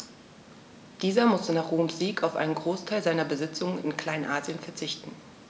Dieser musste nach Roms Sieg auf einen Großteil seiner Besitzungen in Kleinasien verzichten.